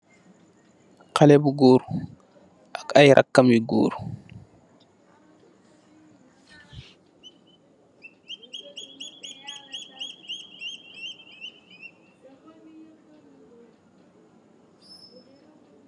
Xalèh bu gór ak ay rakam yu gór.